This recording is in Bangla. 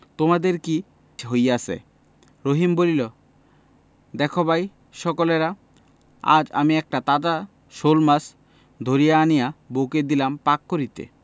তোমাদের কি হইয়াছে রহিম বলিল দেখ ভাই সকলরা আজ আমি একটা তাজা শোলমাছ ধরিয়া আনিয়া বউকে দিলাম পাক করিতে